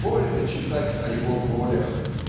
больно читать о его болях.